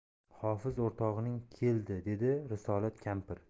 hofiz o'rtog'ing keldi dedi risolat kampir